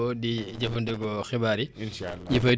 yi fay tukkee ndax suñ buntu tëjuwul